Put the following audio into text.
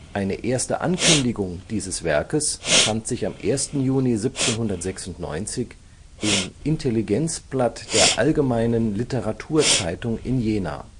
Eine erste Ankündigung dieses Werkes fand sich am 1. Juni 1796 im Intelligenzblatt der allgemeinen Literatur-Zeitung in Jena